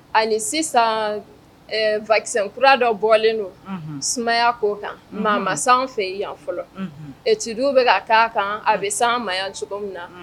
Ani sisan bakikura dɔ bɔlen don sumayaya ko kan maa san fɛ yan fɔlɔ ɛdu bɛ ka' kan a bɛ san ma cogo min na